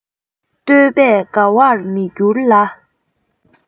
བསྟོད པས དགའ བར མི འགྱུར ལ